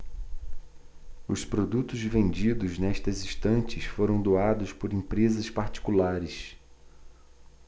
os produtos vendidos nestas estantes foram doados por empresas particulares